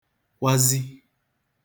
kwazi